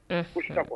Un ka